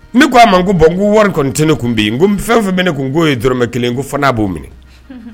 Ni ko a ma ko bɔn n wariteni kun yen fɛn fɛn bɛ ne tun n k'o ye dɔrɔmɛ kelen ko fana' b'o minɛ